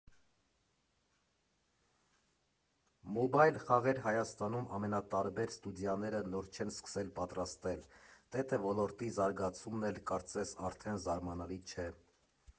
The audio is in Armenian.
Մոբայլ խաղեր Հայաստանում ամենատարբեր ստուդիաները նոր չեն սկսել պատրաստել, ՏՏ ոլորտի զարգացումն էլ, կարծես, արդեն զարամանլի չէ։